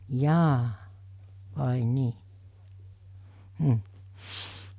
jaa vai niin mm